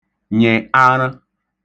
nyị̀ aṙə̣